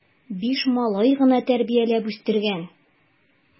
Биш малай гына тәрбияләп үстергән!